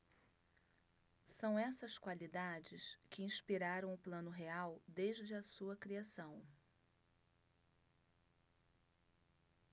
são essas qualidades que inspiraram o plano real desde a sua criação